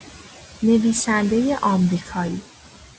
نویسنده آمریکایی